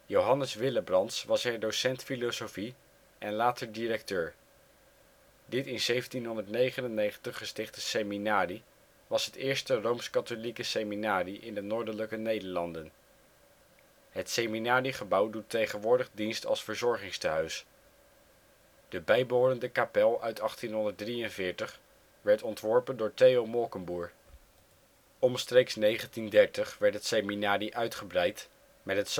Johannes Willebrands was er docent filosofie en later directeur. Dit in 1799 gestichte seminarie was het eerste rooms katholieke seminarie in de noordelijke Nederlanden. Het seminariegebouw doet tegenwoordig dienst als verzorgingstehuis. De bijbehorende kapel uit 1843 werd ontworpen door Theo Molkenboer. Omstreeks 1930 werd het seminarie uitgebreid met